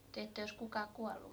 tai että olisi kukaan kuollut